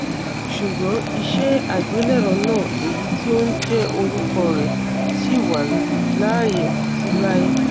Ṣùgbọ́n iṣẹ́ àgbélẹ̀rọ náà èyití ó ńjẹ́ orúkọ rẹ̀ sí wà láàyé títí lái.